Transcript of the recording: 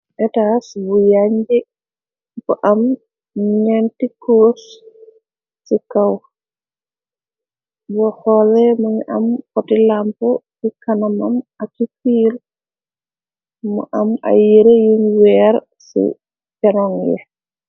Etas bu yañje bu am ñenti curs ci kaw bu xoole muñu am xoti lamp ci kana mam ak ci kiir mu am ay yire yiñ weer ci peroŋ yi.